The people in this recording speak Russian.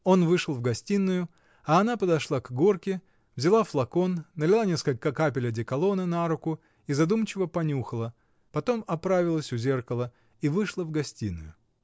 Он вышел в гостиную, а она подошла к горке, взяла флакон, налила несколько капель одеколона на руку и задумчиво понюхала, потом оправилась у зеркала и вышла в гостиную.